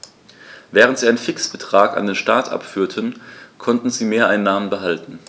Während sie einen Fixbetrag an den Staat abführten, konnten sie Mehreinnahmen behalten.